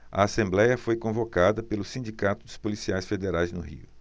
a assembléia foi convocada pelo sindicato dos policiais federais no rio